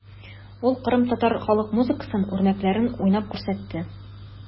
Ул кырымтатар халык музыкасы үрнәкләрен уйнап күрсәтте.